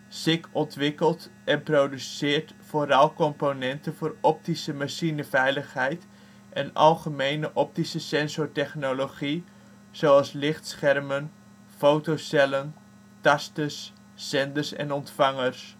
SICK ontwikkelt en produceert vooral componenten voor optische machineveiligheid en algemene optische sensortechnologie, zoals lichtschermen, fotocellen, tasters, zenders/ontvangers